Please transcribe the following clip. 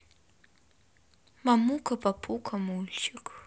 мамука папука мультик